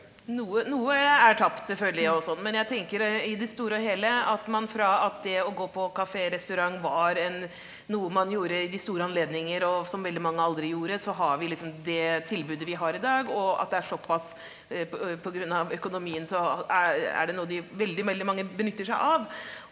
noe noe er tapt selvfølgelig og sånn, men jeg tenker i det store og hele at man fra at det å gå på kafé restaurant var en noe man gjorde i de store anledninger og som veldig mange aldri gjorde så har vi liksom det tilbudet vi har i dag og at det er såpass på pga. økonomien så er er det noe de veldig veldig mange benytter seg av.